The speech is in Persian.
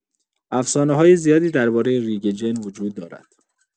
افسانه‌های زیادی درباره ریگ جن وجود دارد.